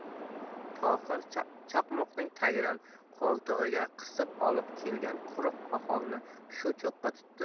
tohir chakmonning tagidan qo'ltig'iga qisib olib kelgan quruq poxolni shu cho'qqa tutdi